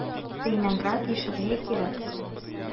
Тыйнаграк яшәргә кирәк.